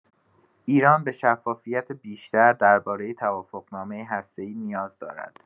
ایران به شفافیت بیشتر درباره توافقنامه هسته‌ای نیاز دارد.